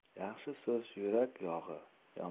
yaxshi so'z yurak yog'i